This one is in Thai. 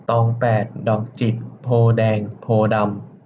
ตองแปดดอกจิกโพธิ์แดงโพธิ์ดำ